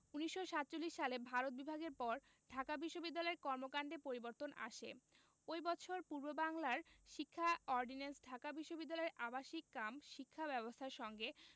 ১৯৪৭ সালে ভারত বিভাগের পর ঢাকা বিশ্ববিদ্যালয়ের কর্মকান্ডে পরিবর্তন আসে ওই বছর পূর্ববাংলার শিক্ষা অর্ডিন্যান্স ঢাকা বিশ্ববিদ্যালয়ের আবাসিক কাম শিক্ষা ব্যবস্থার সঙ্গে